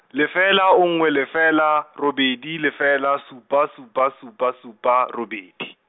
lefela ongwe lefela, robedi lefela supa supa supa supa, robedi.